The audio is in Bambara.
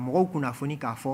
Mɔgɔw kunna kunnafoni k'a fɔ